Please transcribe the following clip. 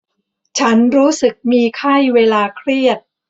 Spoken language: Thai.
ฉันรู้สึกมีไข้เวลาเครียด